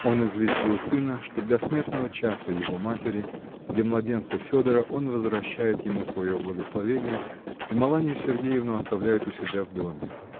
Он известил сына, что для смертного часа его матери, для младенца Федора он возвращает ему свое благословение и Маланью Сергеевну оставляет у себя в доме.